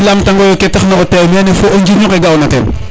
i lam tango yo ke taxna o teew meen fo o njirño nge ga ona ten